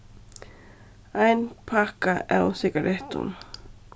ein pakka av sigarettum